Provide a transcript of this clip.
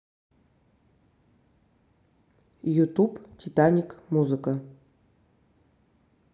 ютуб титаник музыка